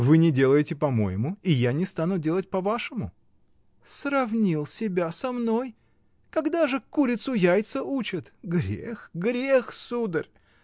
— Вы не делаете по-моему, и я не стану делать по-вашему. — Сравнил себя со мной! Когда же курицу яйца учат! Грех, грех, сударь!